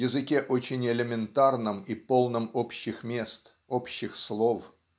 языке очень элементарном и полном общих мест, общих слов.